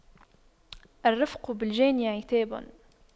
الرفق بالجاني عتاب